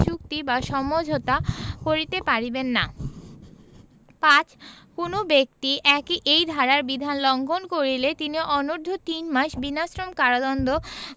চুক্তি বা সমঝোতা করিতে পারিবেন না ৫ কোন ব্যক্তি এই ধারার বিধান লংঘন করিলে তিনি অনুর্ধ্ব তিনমাস বিনাশ্রম কারদন্ড